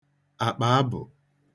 àkpàabụ̀